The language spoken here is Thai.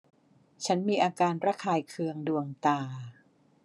ฉันมีอาการระคายเคืองดวงตา